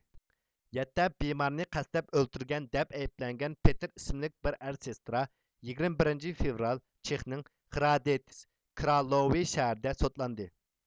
يەتتە بىمارنى قەستلەپ ئۆلتۈرگەن دەپ ئەيىبلەنگەن پېتىر ئىسىملىك بىر ئەر سېسترا يىگىرمە بىرىنچى فېۋرال چېخنىڭ خرادېتس كرالوۋې شەھىرىدە سوتلاندى